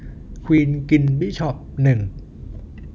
ควีนกินบิชอปหนึ่ง